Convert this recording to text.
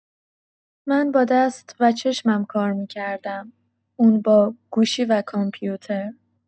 من با دست و چشمم کار می‌کردم، اون با گوشی و کامپیوتر.